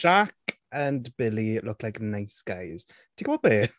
Jack and Billy look like nice guys. Ti'n gwybod be?